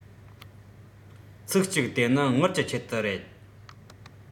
ཚིག གཅིག དེ ནི དངུལ གྱི ཆེད དུ རེད